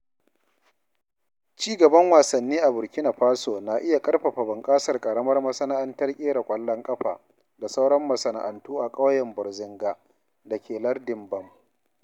Ci gaban wasanni a Burkina Faso na iya ƙarfafa bunƙasar ƙaramar masana’antar ƙera ƙwallon kafa (da sauran masana'antu) a ƙauyen Bourzanga da ke lardin Bam.